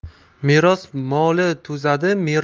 meros moli to'zadi